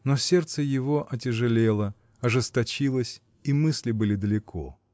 но сердце его отяжелело, ожесточилось, и мысли были далеко.